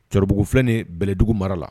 Cɛkɔrɔbabugu filɛ nin bɛlɛdugu mara la